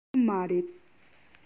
ཡོད མ རེད